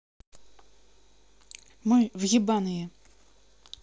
мы в ебаные